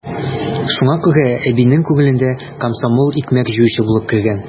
Шуңа күрә әбинең күңеленә комсомол икмәк җыючы булып кергән.